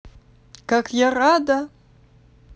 как я рада